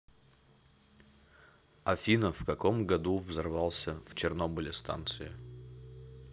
афина в каком году взорвался в чернобыле станция